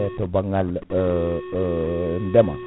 eyyi to banggal ndeema